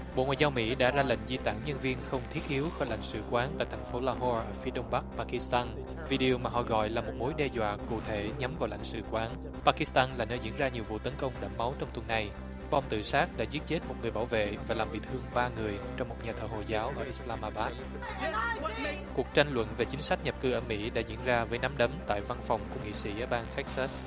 bộ ngoại giao mỹ đã ra lệnh di tản nhân viên không thiết yếu khỏi lãnh sự quán tại thành phố la ho ở phía đông bắc pa kít tăng vi đi ô mà họ gọi là một mối đe dọa cụ thể nhắm vào lãnh sự quán pa kít tăng là nơi diễn ra nhiều vụ tấn công đẫm máu trong tuần này bom tự sát đã giết chết một người bảo vệ và làm bị thương ba người trong một nhà thờ hồi giáo ở ít sa la ma bát cuộc tranh luận về chính sách nhập cư ở mỹ đã diễn ra với nắm đấm tại văn phòng của nghị sĩ bang tếch xát